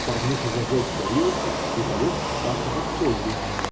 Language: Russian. Парных зажег горелку и полез в шкаф за солью.